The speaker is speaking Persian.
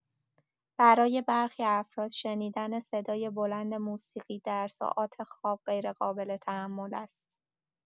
برای برخی افراد، شنیدن صدای بلند موسیقی در ساعات خواب غیرقابل‌تحمل است.